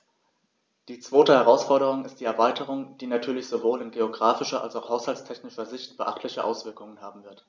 Die zweite Herausforderung ist die Erweiterung, die natürlich sowohl in geographischer als auch haushaltstechnischer Sicht beachtliche Auswirkungen haben wird.